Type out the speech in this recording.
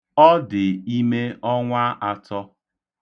Ọ dị ime ọnwa atọ.